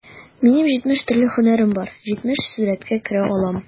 Минем җитмеш төрле һөнәрем бар, җитмеш сурәткә керә алам...